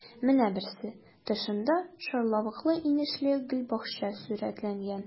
Менә берсе: тышында шарлавыклы-инешле гөлбакча сурәтләнгән.